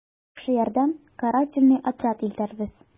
«яхшы ярдәм, карательный отряд илтәбез...»